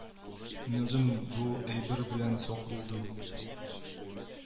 Мин үзем бу әйбер белән сак булдым